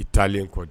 I taalen kɔ di